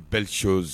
Bɛso